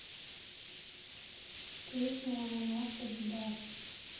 песня ананас адидас